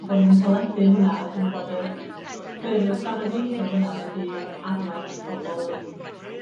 Bo' nw'n caledu hwnna a wedyn bod yr ffurf dafodieithol yna wedi arwain at bobol yn